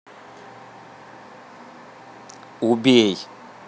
убей